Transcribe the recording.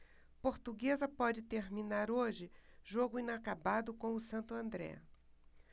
portuguesa pode terminar hoje jogo inacabado com o santo andré